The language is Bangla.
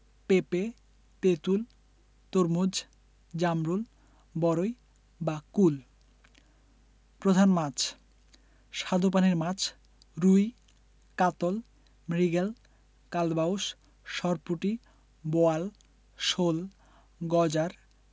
পেঁপে তেঁতুল তরমুজ জামরুল বরই বা কুল প্রধান মাছঃ স্বাদুপানির মাছ রুই কাতল মৃগেল কালবাউস সরপুঁটি বোয়াল শোল গজার